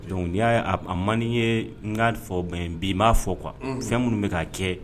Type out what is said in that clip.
Donc n'i y'a ab a mandi n yee n ŋa d fɔ bɛɛ ye bi n b'a fɔ quoi unhun fɛn minnu bɛ k'a kɛ